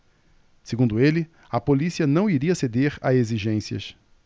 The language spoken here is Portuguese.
segundo ele a polícia não iria ceder a exigências